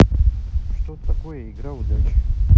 что такое игра удачи